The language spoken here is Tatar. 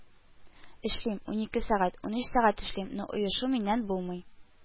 Эшлим, унике сәгать, унөч сәгать эшлим, но оешу миннән булмый